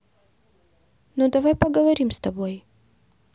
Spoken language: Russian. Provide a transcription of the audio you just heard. ну давай поговорим с тобой